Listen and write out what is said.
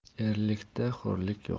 erlikda xo'rlik yo'q